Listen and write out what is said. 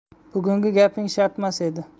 bugungi gaping shart emas edi